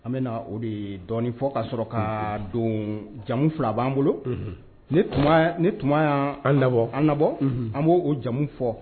An bɛna na o de dɔɔnin fɔ ka sɔrɔ ka don jamu fila b'an bolo tun' an nabɔ an nabɔ an b' o jamu fɔ